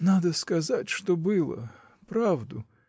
— Надо сказать, что было: правду.